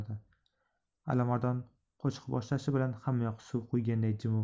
a limardon qo'shiq boshlashi bilan hammayoq suv quyganday jimib qoldi